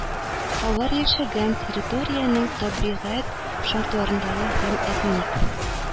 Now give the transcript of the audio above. Алар яшәгән территориянең табигать шартларындагы һәм этник